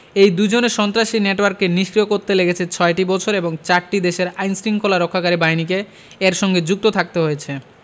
এই দুজনের সন্ত্রাসী নেটওয়ার্ককে নিষ্ক্রিয় করতে লেগেছে ছয়টি বছর এবং চারটি দেশের আইনশৃঙ্খলা রক্ষাকারী বাহিনীকে এর সঙ্গে যুক্ত থাকতে হয়েছে